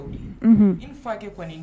Kɔni